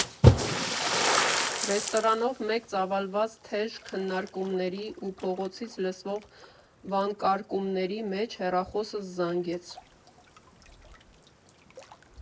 Ռեստորանով մեկ ծավալված թեժ քննարկումների ու փողոցից լսվող վանկարկումների մեջ հեռախոսս զանգեց.